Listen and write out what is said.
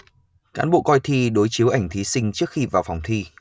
cán bộ coi thi đối chiếu ảnh thí sinh trước khi vào phòng thi